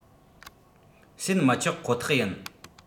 བྱེད མི ཆོག ཁོ ཐག ཡིན